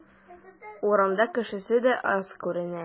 Урамда кешесе дә аз күренә.